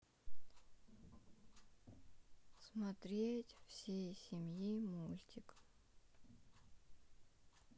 смотреть всей семьи мультик